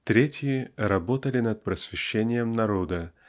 третьи -- работали над просвещением народа